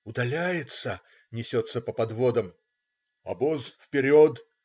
Удаляется!" - несется по подводам. "Обоз вперед!